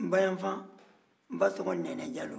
n bayanfan n ba tɔgɔ nɛnɛ jalo